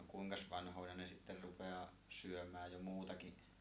no kuinkas vanhoina ne sitten rupeaa syömään jo muutakin